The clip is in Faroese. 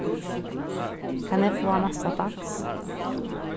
kann eg fáa næsta dans